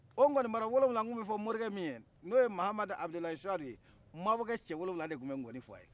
o ŋɔni bara wolonfila tun bɛfɔ mɔrikɛ min ye n' oye mamadu abudulayi suadu ye mabɔkɛ wolonfila de yun bɛ ŋɔni f'a ye